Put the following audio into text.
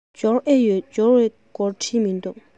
འབྱོར ཨེ ཡོད འབྱོར བའི སྐོར བྲིས མི འདུག